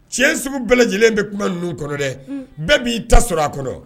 Tiɲɛ segu bɛɛ lajɛlen bɛ kuma ninnu kɔnɔ dɛ bɛɛ b'i ta sɔrɔ a kɔnɔ